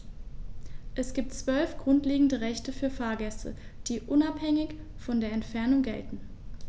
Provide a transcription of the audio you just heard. Es gibt 12 grundlegende Rechte für Fahrgäste, die unabhängig von der Entfernung gelten.